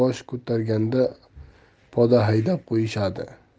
bosh ko'targanda poda haydab qo'yishadi